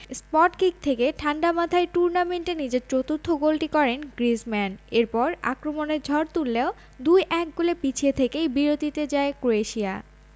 spot kick থেকে ঠাণ্ডা মাথায় টুর্নামেন্টে নিজের চতুর্থ গোলটি করেন গ্রিজমান এরপর আক্রমণের ঝড় তুললেও ২ ১ গোলে পিছিয়ে থেকেই বিরতিতে যায় ক্রোয়েশিয়া